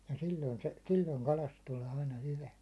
ja silloin se silloin kalasta tulee aina hyvä